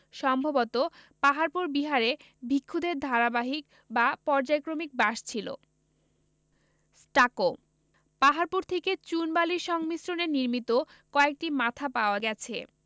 সম্ভবত পাহাড়পুর বিহারে ভিক্ষুদের ধারাবাহিক বা পর্যায়ক্রমিক বাস ছিল স্টাকোঃ পাহাড়পুর থেকে চুন বালির সংমিশ্রণে নির্মিত কয়েকটি মাথা পাওয়া গেছে